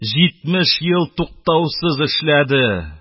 Җитмеш ел туктаусыз эшләде!